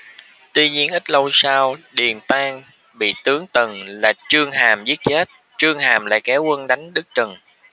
tuy nhiên ít lâu sau điền tang bị tướng tần là chương hàm giết chết chương hàm lại kéo quân đánh đất trần